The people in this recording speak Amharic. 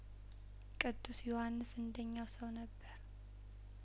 ቅዱስ ዮሀንስ እንደኛው ሰው ነበር